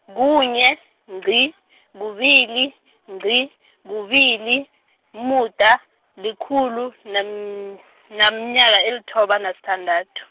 kunye, ngqi , kubili, ngqi, kubili, umuda, likhulu, nem- nomnyaka, elithoba, nasithandathu.